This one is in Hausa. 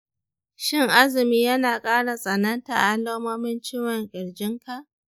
shin azumi yana ƙara tsananta alamomin ciwon ƙirjinka?